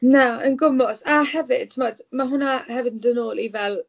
Na yn gwmws. A hefyd timod, mae hwnna hefyd yn dod yn ôl i fel...